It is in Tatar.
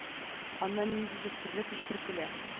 Аннан ниндидер серле көч бөркелә